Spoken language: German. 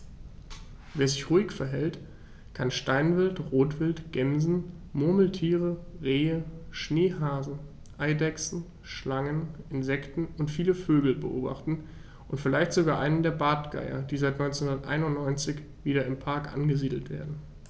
Wer sich ruhig verhält, kann Steinwild, Rotwild, Gämsen, Murmeltiere, Rehe, Schneehasen, Eidechsen, Schlangen, Insekten und viele Vögel beobachten, vielleicht sogar einen der Bartgeier, die seit 1991 wieder im Park angesiedelt werden.